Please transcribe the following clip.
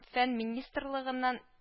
Фән министрлыннан